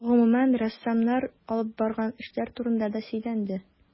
Гомүмән, рәссамнар алып барган эшләр турында да сөйләнде.